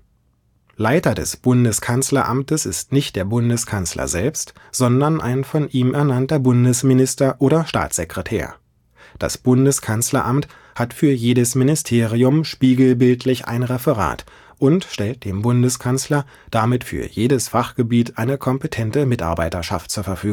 Leiter des Bundeskanzleramtes ist nicht der Bundeskanzler selbst, sondern ein von ihm ernannter Bundesminister oder Staatssekretär. Das Bundeskanzleramt hat für jedes Ministerium spiegelbildlich ein Referat und stellt dem Bundeskanzler damit für jedes Fachgebiet eine kompetente Mitarbeiterschaft zur Verfügung